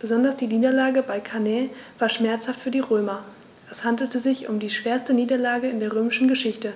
Besonders die Niederlage bei Cannae war schmerzhaft für die Römer: Es handelte sich um die schwerste Niederlage in der römischen Geschichte,